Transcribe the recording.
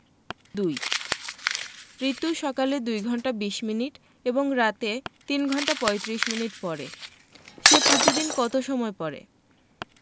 ২ রিতু সকালে ২ ঘন্টা ২০ মিনিট এবং রাতে ৩ ঘণ্টা ৩৫ মিনিট পড়ে। সে প্রতিদিন কত সময় পড়ে ?